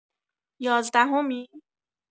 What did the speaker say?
یازدهمی؟